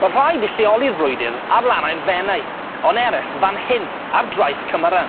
Ma' rhaid i lleoli'r frwydr ar lanau'r Fenai, ond eryll fan hyn, ar draeth Cymyran.